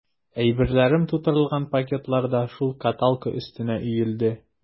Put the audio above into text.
Әйберләрем тутырылган пакетлар да шул каталка өстенә өелде.